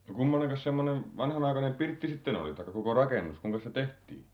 no kummoinenkas semmoinen vanhanaikainen pirtti sitten oli tai koko rakennus kuinkas se tehtiin